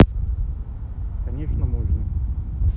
конечно можно